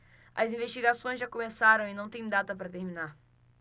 as investigações já começaram e não têm data para terminar